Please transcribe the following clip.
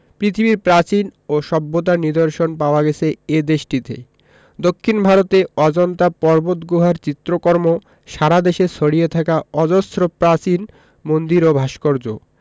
পৃথিবীর প্রাচীন ও সভ্যতার নিদর্শন পাওয়া গেছে এ দেশটিতে দক্ষিন ভারতে অজন্তা পর্বতগুহার চিত্রকর্ম সারা দেশে ছড়িয়ে থাকা অজস্র প্রাচীন মন্দির ও ভাস্কর্য